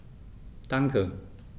Danke.